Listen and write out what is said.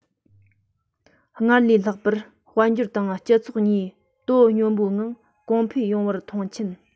སྔར ལས ལྷག པར དཔལ འབྱོར དང སྤྱི ཚོགས གཉིས དོ སྙོམས པོའི ངང གོང འཕེལ ཡོང བར མཐོང ཆེན